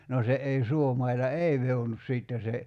no se ei suomailla ei vehdonnut sitten se